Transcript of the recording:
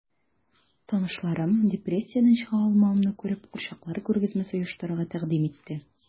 Танышларым, депрессиядән чыга алмавымны күреп, курчаклар күргәзмәсе оештырырга тәкъдим итте...